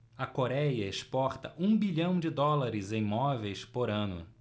a coréia exporta um bilhão de dólares em móveis por ano